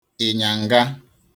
ị̀nyànga